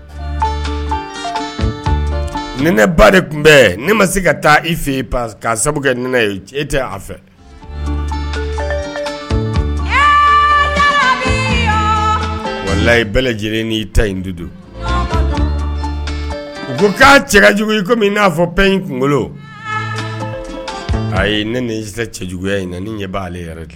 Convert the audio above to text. Ni ne ba de tun bɛ ne ma se ka taa i fɛ yen pa' sabu e tɛ a fɛ walayi bɛɛ lajɛlen ni'i ta u ko ka cɛ jugu komi n'a fɔ bɛɛ in kunkolo ne cɛ juguyaya in na ni ɲɛ b'aale yɛrɛ kɛ